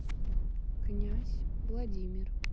князь владимир